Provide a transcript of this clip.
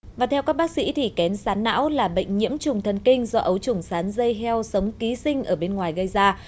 và theo các bác sĩ thì kén sán não là bệnh nhiễm trùng thần kinh do ấu trùng sán dây heo sống ký sinh ở bên ngoài gây ra